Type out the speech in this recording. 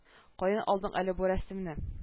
Каян алдың әле бу рәсемне